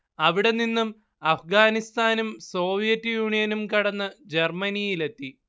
അവിടെ നിന്നും അഫ്ഗാനിസ്ഥാനും സോവിയറ്റ് യൂണിയനും കടന്ന് ജർമ്മനിയിലെത്തി